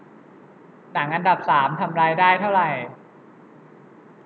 หนังอันดับสามทำรายได้เท่าไหร่